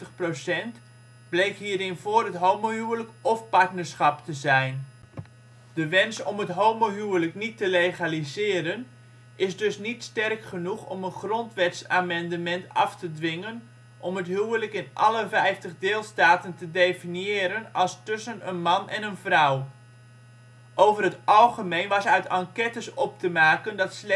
bleek hierin voor het homohuwelijk of partnerschap te zijn: Demografie Homohuwelijk Partnerschap Geen van beide Totaal 28 % 29 % 40 % Republikeinen 13 % 33 % 53 % Democraten 32 % 28 % 36 % Onafhankelijken 37 % 27 % 33 % 18-29 jarigen 43 % 32 % 25 % 30-44 29 % 25 % 44 % 45-64 26 % 29 % 41 % 65 en ouder 12 % 32 % 51 % Noord-Oosten van de VS 35 % 31 % 33 % Mid-Westen van de VS 26 % 23 % 47 % Zuiden van de VS 23 % 26 % 48 % Westen van de VS 31 % 36 % 28 % De wens om het homohuwelijk niet te legaliseren is dus niet sterk genoeg om een grondwetsamendement af te dwingen om het huwelijk in alle vijftig deelstaten te definiëren als tussen een man en een vrouw. Over het algemeen was uit enquêtes op te maken dat